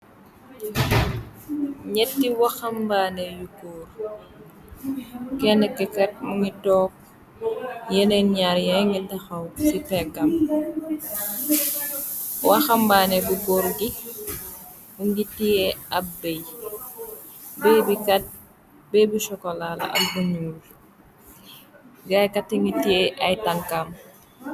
Ñetti wahambaané yu góor. Kenn ki kat mu ngi toog yeneen ñaar yaay ngi tahaw ci pègam. Wahambaané bu góor gi mungi tie ab béy. Bèy bi kat bèy bu sokola ab bu ñuul gaaykati ngi te ay tankam.